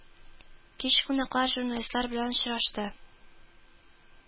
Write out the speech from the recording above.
Кич кунаклар журналистлар белән очрашты